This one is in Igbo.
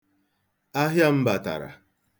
Ahịa m batara.